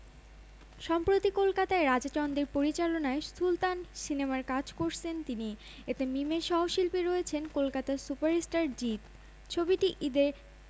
সকলের মুখে অ্যাভেঞ্জার্স এর প্রশংসা এখনও পর্যন্ত এই হলিউড ছবিটি ১০১০৮ কোটিরও বেশি ব্যবসা করেছে কিন্তু অমিতাভ বচ্চন এই ছবিটি দেখে কিছুই বুঝতে পারেননি